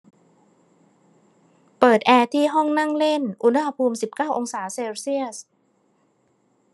เปิดแอร์ที่ห้องนั่งเล่นอุณหภูมิสิบเก้าองศาเซลเซียส